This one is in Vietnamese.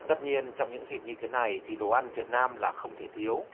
tất nhiên trong những dịp như thế này thì đồ ăn việt nam là không thể thiếu